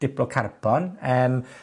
Diplocarpon. Yym.